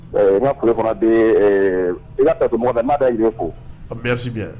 U ka ku fana bi i'a ta to mɔgɔ n'a ka y ko a misi